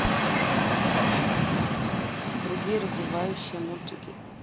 другие развивающие мультики